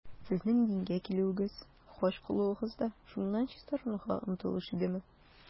Сезнең дингә килүегез, хаҗ кылуыгыз да шуннан чистарынуга омтылыш идеме?